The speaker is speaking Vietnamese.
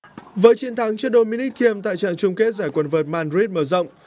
với chiến thắng trước đô mi ních thiêm tại trận chung kết giải quần vợt man rít mở rộng